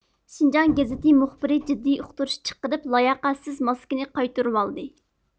شىنجاڭ گېزىتى مۇخبىرى جىددىي ئۇقتۇرۇش چىقىرىپ لاياقەتسىز ماسكىنى قايتۇرۇۋالدى